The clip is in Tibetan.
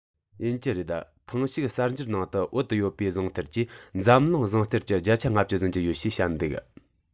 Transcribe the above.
ཡིན གྱི རེད ཐེངས ཤིག གསར འགྱུར ནང དུ བོད དུ ཡོད པའི ཟངས གཏེར གྱིས འཛམ གླིང ཟངས གཏེར གྱི བརྒྱ ཆ ལྔ བཅུ ཟིན གྱི ཡོད ཞེས བཤད འདུག